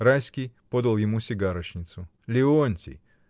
Райский подал ему сигарочницу. — Леонтий!